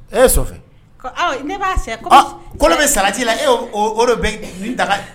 E Sɔkɛ! ko ne b'a siɲɛ , ɔ kolo bɛ salati la e y' o bɛ nin daga